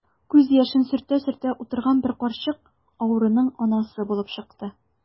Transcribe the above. Күз яшен сөртә-сөртә утырган бер карчык авыруның анасы булып чыкты.